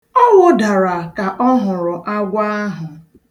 Ọ wudara ka ọ hụrụ agwọ ahụ.